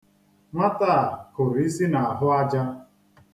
Nwata a kụrụ isi n'ahụaja.